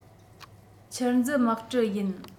ཆུར འཛུལ དམག གྲུ ཡིན